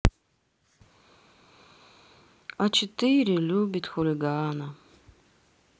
а четыре любит хулигана